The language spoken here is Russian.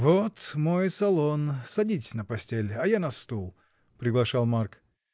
— Вот мой салон: садитесь на постель, а я на стул, — приглашал Марк.